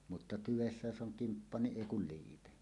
mutta tyvessä jos on kimppa niin ei kuin liipe